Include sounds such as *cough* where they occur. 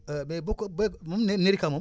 *hesitation* mais boo ko ba moom ne nerica moom